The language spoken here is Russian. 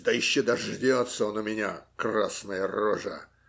Да еще дождется он у меня, красная рожа!